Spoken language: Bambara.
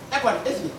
E kɔni eseke